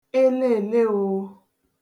eleèleōō